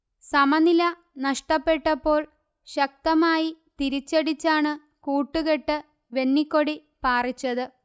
സമനില നഷ്ടപ്പെട്ടപ്പോൾ ശക്തമായി തിരിച്ചടിച്ചാണ് കൂട്ടുകെട്ട് വെന്നിക്കൊടി പാറിച്ചത്